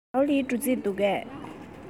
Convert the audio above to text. ཞའོ ལིའི འགྲོ རྩིས འདུག གས